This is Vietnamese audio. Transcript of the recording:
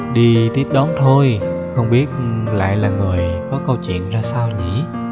đi tiếp đón thôi không biết lại là người có câu chuyện ra sao nhỉ